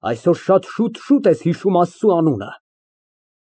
Այսօր շատ շուտ֊շուտ ես հիշում Աստծու անունը։